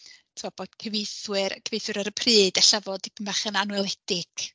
Timod bod cyfieithwyr, cyfieithwyr ar y pryd ella fod dipyn bach yn anweledig.